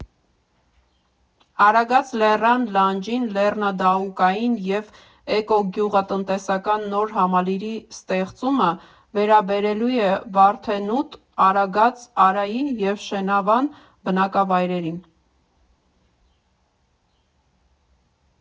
Արագած լեռան լանջին լեռնադահուկային և էկոգյուղատնտեսական նոր համալիրի ստեղծումը վերաբերելու է Վարդենուտ, Արագած, Արայի և Շենավան բնակավայրերին։